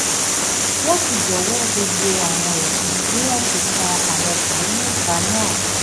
Wọ́n ti jọ̀wọ́ gbogbo àwọn ẹ̀sùn tí wọ́n fi kan àwọn ọkùnrin mẹ́ta náà.